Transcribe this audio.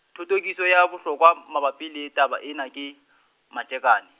thothokiso ya bohlokwa m- mabapi le taba ena ke, Majakane.